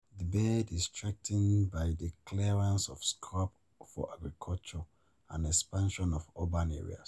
The bird is threatened by the clearance of scrub for agriculture and expansion of urban areas.